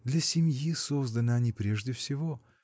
— Для семьи созданы они прежде всего.